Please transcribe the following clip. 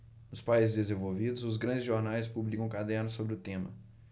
nos países desenvolvidos os grandes jornais publicam cadernos sobre o tema